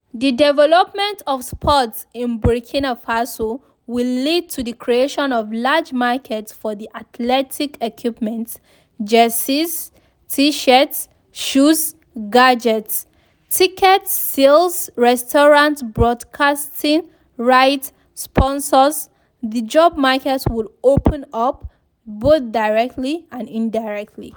The development of sports in Burkina Faso will lead to the creation of large markets for athletic equipment (jerseys, T-shirts, shoes, gadgets), ticket sales, restaurants, broadcasting rights, sponsors… The job market would open up, both directly and indirectly.